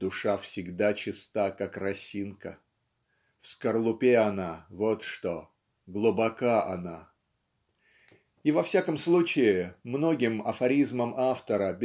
"Душа всегда чиста как росинка. В скорлупе она, вот что. Глубоко она". И во всяком случае многим афоризмам автора